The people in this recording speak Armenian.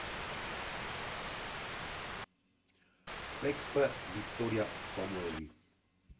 Տեքստը՝ Վիկտորյա Սամուելի։